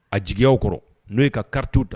A jigiya kɔrɔ n'o ye ka kariw da